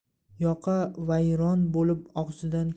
yoqavayron bo'lib og'zidan